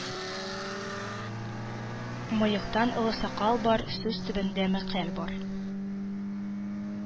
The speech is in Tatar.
Мыектан олы сакал бар, сүз төбендә мәкаль бар